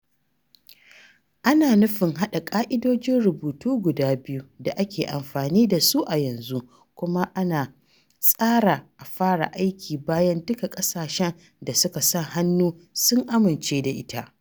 Ana nufin haɗa ƙa’idojin rubutu guda biyu da ake amfani da su a yanzu, kuma an tsara a fara aiki bayan duka ƙasashen da suka sa hannu sun amince da ita.